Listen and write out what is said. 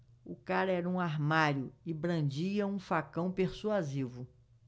o cara era um armário e brandia um facão persuasivo